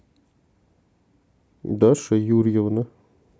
даша юрьевна